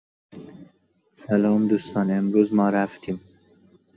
سلام دوستان امروز ما رفتیم